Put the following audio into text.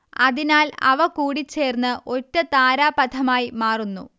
അതിനാൽ അവ കൂടിച്ചേർന്ന് ഒറ്റ താരാപഥമായി മാറുന്നു